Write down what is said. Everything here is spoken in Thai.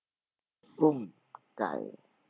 อุ้มไก่